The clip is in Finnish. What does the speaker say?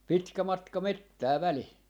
pitkä matka metsää välissä